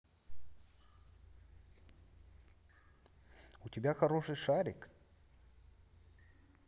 у тебя хороший шарик